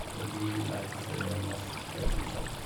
Og de lærte seg jo norsk veldig kjapt.